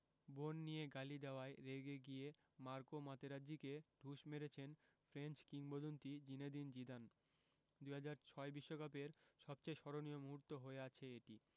বোন নিয়ে গালি দেওয়ায় রেগে গিয়ে মার্কো মাতেরাজ্জিকে ঢুস মেরেছেন ফ্রেঞ্চ কিংবদন্তি জিনেদিন জিদান ২০০৬ বিশ্বকাপের সবচেয়ে স্মরণীয় মুহূর্ত হয়ে আছে এটি